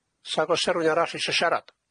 S'ag o's 'a rwyn arall isio siarad?